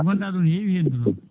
to gonɗa ɗo ne hewi hendu noon